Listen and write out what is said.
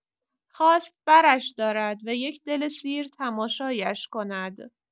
خواست برش دارد و یک دل سیر تماشایش کند.